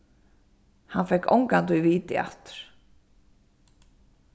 hann fekk ongantíð vitið aftur